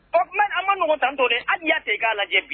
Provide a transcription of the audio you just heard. O tuma an ma numu tantɔn de hali ɲɛ de k'a lajɛ bi